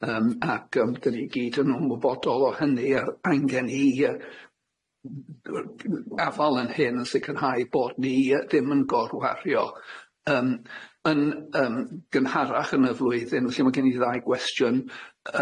Yym ac yym da ni gyd yn ymwybodol o hynny a angen i y yy afal yn hyn yn sicrhau bod ni yy ddim yn gorwario yym yn yym gynharach yn y flwyddyn, lle ma' gen i ddau gwestiwn.